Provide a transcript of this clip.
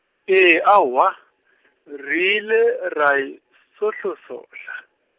ee aowa, re ile ra e sohlosohla.